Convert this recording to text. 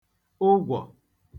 ụgwọ̀